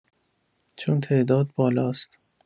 چون تعداد بالاست